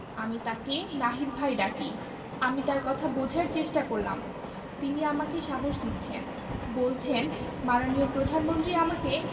আমি তাকে নাহিদ ভাই ডাকি আমি তার কথা বোঝার চেষ্টা করলাম তিনি আমাকে সাহস দিচ্ছেন বলছেন মাননীয় প্রধানমন্ত্রী আমাকে